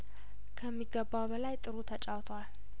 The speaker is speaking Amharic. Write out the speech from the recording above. ከሚ ገባው በላይ ጥሩ ተጫውተዋል